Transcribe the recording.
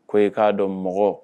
Ko ye k'a dɔn mɔgɔ